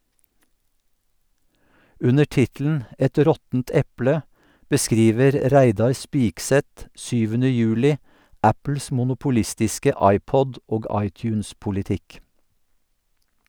Under tittelen "Et råttent eple" beskriver Reidar Spigseth 7. juli Apples monopolistiske iPod- og iTunes-politikk.